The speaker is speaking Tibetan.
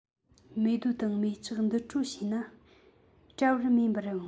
མེ རྡོ དང མེ ལྕགས འདུ འཕྲོད བྱས ན སྤྲ བར མེ འབར ཡོང